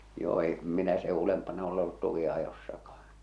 joo en minä sen ylempänä ole ollut tukinajossakaan